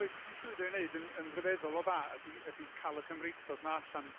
Be ti 'di llwyddo i wneud yn yn rhyfeddol o dda ydy, ydy cael y Cymreictod 'na allan.